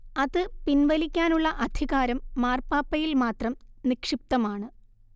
അത് പിൻവലിക്കാനുള്ള അധികാരം മാർപ്പാപ്പയിൽ മാത്രം നിക്ഷിപ്തമാണ്